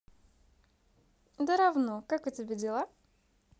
da равно как у тебя дела